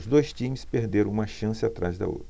os dois times perderam uma chance atrás da outra